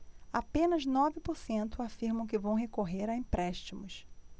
apenas nove por cento afirmam que vão recorrer a empréstimos